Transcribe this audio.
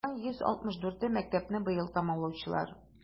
Шуларның 164е - мәктәпне быел тәмамлаучылар.